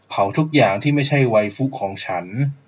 เผาทุกอย่างที่ไม่ใช่ไวฟุของฉัน